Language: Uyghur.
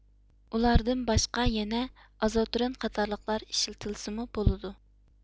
ئۇلاردىن باشقا يەنە ئازودرىن قاتارلىقلار ئىشلىتىلسىمۇ بولىدۇ